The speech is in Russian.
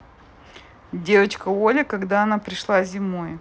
девочка оля когда она пришла зимой